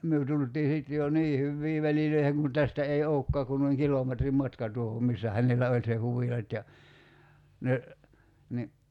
me tultiin sitten jo niin hyviin väleihin kun tästä ei olekaan kuin noin kilometrin matka tuohon missä hänellä oli se huvila ja ne niin